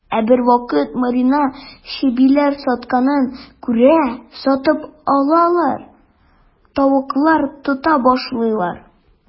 Ә бервакыт Марина чебиләр сатканны күрә, сатып алалар, тавыклар тота башлыйлар.